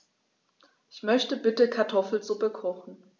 Ich möchte bitte Kartoffelsuppe kochen.